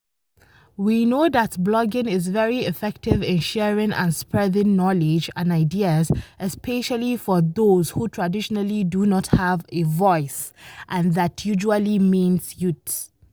We know that blogging is very effective in sharing and spreading knowledge and ideas, especially for those who traditionally do not have a “voice”—and that usually means youth.